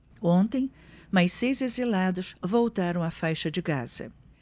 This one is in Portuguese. ontem mais seis exilados voltaram à faixa de gaza